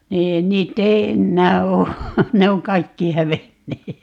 niin niitä ei enää ole ne on kaikki hävinneet